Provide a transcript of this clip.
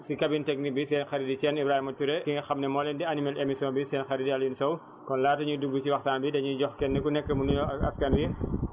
si cabine technique bi seen xarit di Cheikh Ibrahima Touré ki nga xam ne moo leen di animé émission bi seen xarit di Alioune Souaré Sow kon laata ñuy dugg si waxtaan wi dañuy jox kenn ku nekk mu nuyoo ak askan wi